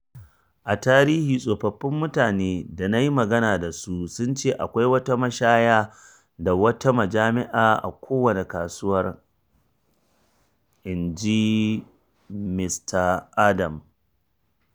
“A tarihi, tsofaffin mutanen da na yi magana da su sun ce akwai wata mashaya da wata majami’a a kowace kusurwa,” Inji Mista Adams.